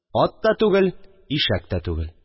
Ат та түгел, ишәк тә түгел